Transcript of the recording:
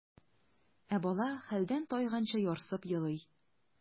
Ә бала хәлдән тайганчы ярсып елый.